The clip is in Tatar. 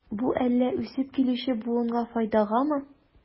Бу әллә үсеп килүче буынга файдагамы?